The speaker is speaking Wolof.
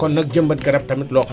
kon nag jëmbat garab tamit loo xam ne